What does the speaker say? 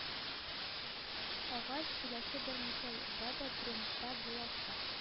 Агач киләсе берничә елда да трендта булачак